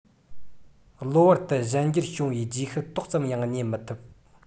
གློ བུར དུ གཞན འགྱུར བྱུང བའི རྗེས ཤུལ ཏོག ཙམ ཡང རྙེད མི ཐུབ